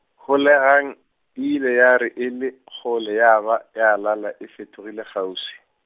holegang, e ile ya re e le kgole ya ba ya lala e fetogile kgauswi.